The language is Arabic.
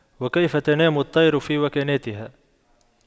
وكيف تنام الطير في وكناتها